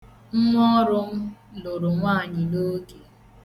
Nwọọrụ m lụrụ nwaanyị n'oge.